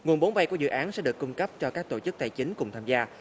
nguồn vốn vay của dự án sẽ được cung cấp cho các tổ chức tài chính cùng tham gia